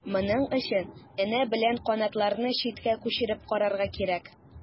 Моның өчен энә белән канатларны читкә күчереп карарга кирәк.